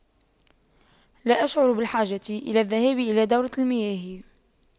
لا أشعر بالحاجة إلى الذهاب إلى دورة المياه